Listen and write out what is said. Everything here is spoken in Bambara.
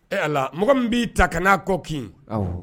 Ee a mɔgɔ min b'i ta ka n'a kɔ kin